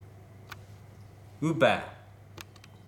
འོས པ